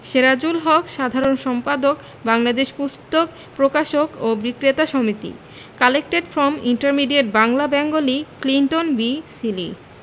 সেরাজুল হক সাধারণ সম্পাদক বাংলাদেশ পুস্তক প্রকাশক ও বিক্রেতা সমিতি collected from intermediate Bangla Bengali Clinton B Seely